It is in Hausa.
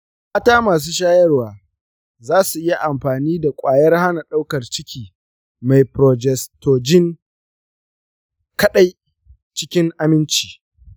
mata masu shayarwa za su iya amfani da ƙwayar hana ɗaukar ciki mai progestogen kaɗai cikin aminci.